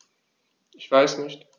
Ich weiß nicht.